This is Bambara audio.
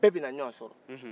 bɛɛ bɛna ɲɔgɔn sɔrɔ